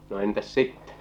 no entäs sitten